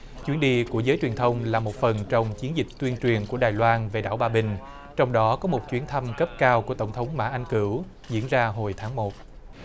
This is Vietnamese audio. chuyến đi của giới truyền thông là một phần trong chiến dịch tuyên truyền của đài loan về đảo ba bình trong đó có một chuyến thăm cấp cao của tổng thống mã anh cửu diễn ra hồi tháng một